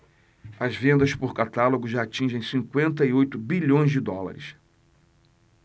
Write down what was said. as vendas por catálogo já atingem cinquenta e oito bilhões de dólares